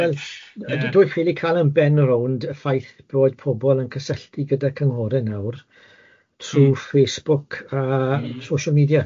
Wel dwi'n ffili cal yn ben rownd y ffaith bod pobol yn cysylltu gyda cynghore nawr trwy Facebook a social media.